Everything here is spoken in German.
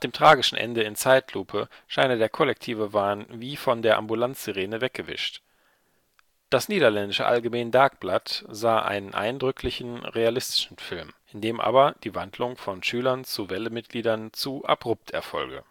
tragischen Ende in Zeitlupe scheine der kollektive Wahn wie von der Ambulanzsirene weggewischt. Das niederländische Algemeen Dagblad sah einen eindrücklichen, realistischen Film, in dem aber die Wandlung von Schülern zu Welle-Mitgliedern zu abrupt erfolge